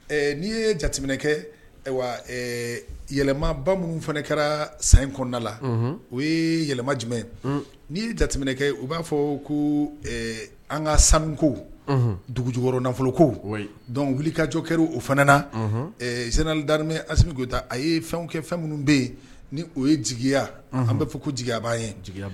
N' ye jatekɛ yɛlɛma bamanan minnu fana kɛra san kɔnɔnada la o ye yɛlɛma jumɛn n'i ye jateminɛkɛ u b'a fɔ ko an ka sanuko dugujugukɔrɔ nafolo ko dɔnku wuli ka jɔ kɛ o fana na zinadame alisikuota a ye fɛn kɛ fɛn minnu bɛ yen ni o ye jigiya an bɛ fɔ ko jigi a b'a yeya